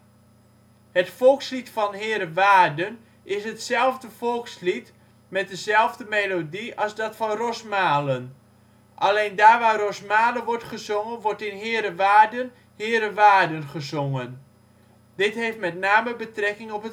volkslied van Heerewaarden is hetzelfde volkslied met dezelfde melodie als dat van Rosmalen. Alleen daar waar Rosmalen wordt gezongen, wordt in Heerewaarden Heerewaarden gezongen. Dit heeft met name betrekking op